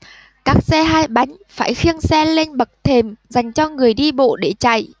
các xe hai bánh phải khiêng xe lên bật thềm dành cho người đi bộ để chạy